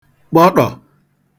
gbọṭọ̀